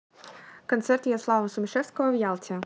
концерт ярослава сумишевского в ялте